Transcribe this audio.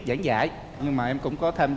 giảng dạy nhưng mà em cũng có tham gia